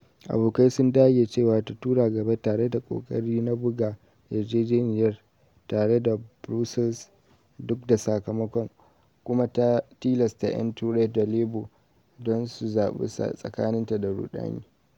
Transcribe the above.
Abokai sun dage cewa ta tura gaba tare da ƙoƙarina buga yarjejeniyar tare da Brussels duk da sakamakon - kuma ta tilasta yan Turai da Labour don su zabi tsakaninta da 'rudani'.